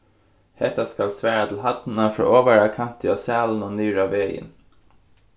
hetta skal svara til hæddina frá ovara kanti á saðlinum niður á vegin